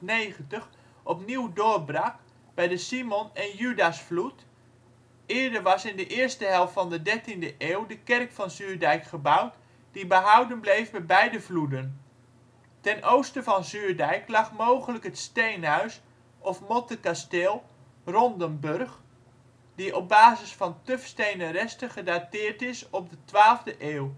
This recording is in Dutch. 1290 opnieuw doorbrak bij de Simon en Judasvloed. Eerder was in de eerste helft van de 13e eeuw de Kerk van Zuurdijk gebouwd, die behouden bleef bij beide vloeden. Ten oosten van Zuurdijk lag mogelijk het steenhuis of mottekasteel Rondenbörg, die op basis van tufstenen resten gedateerd is op de 12e